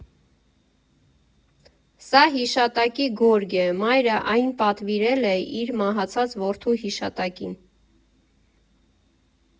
Սա հիշատակի գորգ է՝ մայրը այն պատվիրել է իր մահացած որդու հիշատակին։